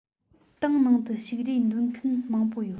ཏང ནང དུ ཞུགས རེ འདོན མཁན མང པོ ཡོད